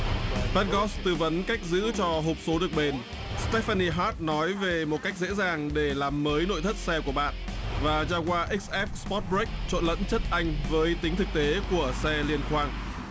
phát gót tư vấn cách giữ cho hộp số được bền xờ tép phan ni hát nói về một cách dễ dàng để làm mới nội thất xe của bạn và gia gua x ép sờ phót bờ rếch trộn lẫn chất anh với tính thực tế của xe liên khoang